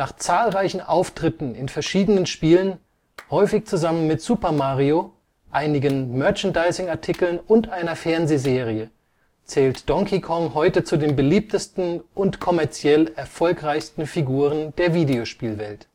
zahlreichen Auftritten in verschiedenen Spielen, häufig zusammen mit Super Mario, einigen Merchandising-Artikeln und einer Fernsehserie zählt Donkey Kong heute zu den beliebtesten und kommerziell erfolgreichsten Figuren der Videospielewelt